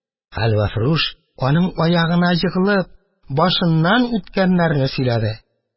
Хәлвәфрүш, аның аягына егылып, башыннан үткәннәрне сөйләде.